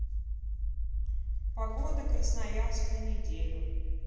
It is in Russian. погода красноярск на неделю